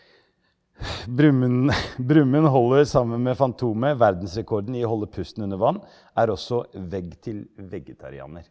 Brumund Brumund holder sammen med Fantomet verdensrekorden i å holde pusten under vann, er også vegg-til-veggetarianer.